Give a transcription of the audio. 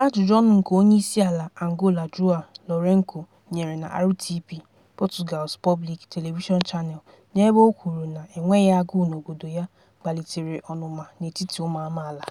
Ajụjụọnụ nke Onyeisiala Angola João Lourenço nyere na RTP, Portugal’s Public Television Channel, n'ebe o kwụrụ na enweghị agụụ n'obodo ya, kpalitere ọṅụma n'etiti ụmụamaala.